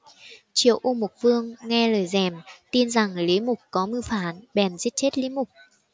triệu u mục vương nghe lời gièm tin rằng lý mục có mưu phản bèn giết chết lý mục